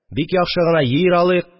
Бик яхшы гына җир алыйк